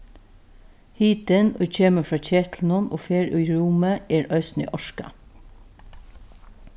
hitin ið kemur frá ketlinum og fer í rúmið er eisini orka